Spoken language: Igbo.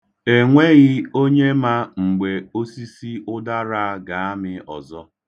E nweghị onye ma mgbe osisi ụdara a ga-amị ọzọ.